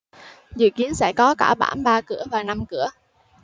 dự kiến sẽ có cả bản ba cửa và năm cửa